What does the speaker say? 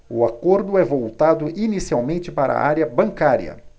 o acordo é voltado inicialmente para a área bancária